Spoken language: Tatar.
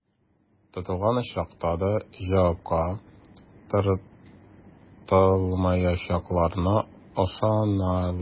Тотылган очракта да җавапка тартылмаячакларына ышаналар.